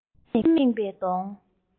གཉེར མས ཁེངས པའི གདོང